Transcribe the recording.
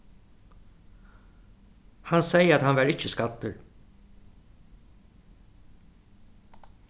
hann segði at hann var ikki skaddur